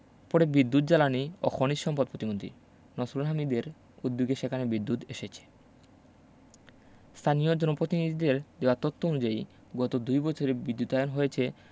পরে বিদ্যুৎ জ্বালানি ও খনিজ সম্পদ পতিমনতি নসরুল হামিদদের উদ্যোগে সেখানে বিদ্যুৎ এসেছে স্তানীয় জনপতিনিধিদের দেওয়া তত্য অনুযায়ী গত দুই বছরে বিদ্যুতায়ন হয়েছে